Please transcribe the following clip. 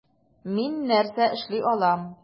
Мин нәрсә эшли алам?